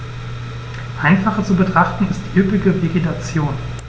Einfacher zu betrachten ist die üppige Vegetation.